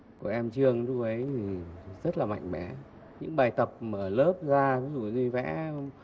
của em chương lúc ấy thì rất là mạnh mẽ những bài tập mờ ở lớp da dụ như vẽ